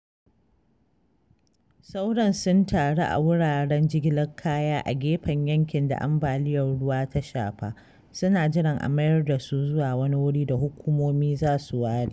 Sauran sun taru a wuraren jigilar kaya a gefen yankin da ambaliyar ruwa ta shafa, suna jiran a mayar da su zuwa wani wuri da hukumomi za su ware